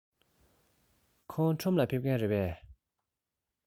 ཁོང ཁྲོམ ལ ཕེབས མཁན རེད པས